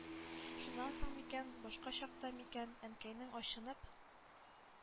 Шуннан соң микән, башка чакта микән, Әнкәйнең ачынып: